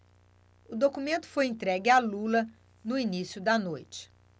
o documento foi entregue a lula no início da noite